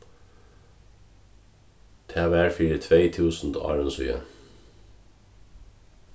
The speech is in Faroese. tað var fyri tvey túsund árum síðani